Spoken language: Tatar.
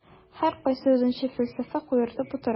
Һәркайсы үзенчә фәлсәфә куертып утыра.